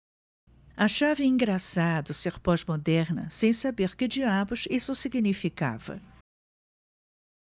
achava engraçado ser pós-moderna sem saber que diabos isso significava